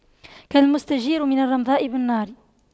كالمستجير من الرمضاء بالنار